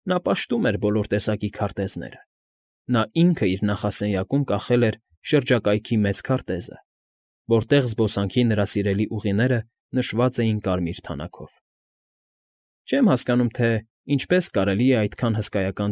Նա պաշտում էր բոլոր տեսակի քարտեզները, նա ինքը իր նախասենյակում կախել էր շրջակայքի մեծ քարտեզը, որտեղ զբոսանքի նրա սիրելի ուղիները նշված էին կարմիր թանաքով։ ֊ Չեմ հասկանում, թե ինչպես կարելի է այդ հսկայական։